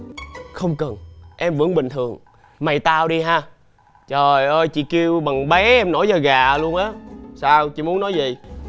không cần em vẫn bình thường mày tao đi ha trời ơi chị kêu bằng bé em nổi da gà luôn á sao chị muốn nói gì